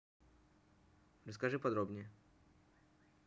расскажи подробнее